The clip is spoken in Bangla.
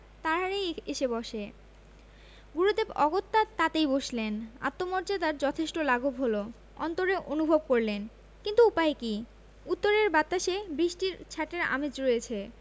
তাহারই এসে বসে গুরুদেব অগত্যা তাতেই বসলেন আত্মমর্যাদার যথেষ্ট লাঘব হলো অন্তরে অনুভব করলেন কিন্তু উপায় কি উত্তরে বাতাসে বৃষ্টির ছাঁটের আমেজ রয়েছে